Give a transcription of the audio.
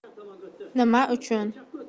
nima uchun